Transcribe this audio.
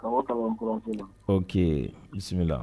Ka bɔ Kalaban - Coura ACI la ok bisimila